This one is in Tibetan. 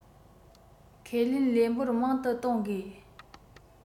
ཁས ལེན ལས འབོར མང དུ གཏོང དགོས